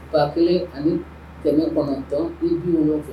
1900